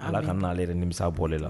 Ala ka n'ale yɛrɛ nimisa bɔ de la